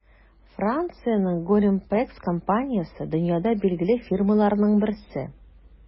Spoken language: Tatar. Франциянең Gorimpex компаниясе - дөньяда билгеле фирмаларның берсе.